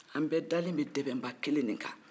an bɛɛ dalen bɛ dɛbɛnba kelen de kan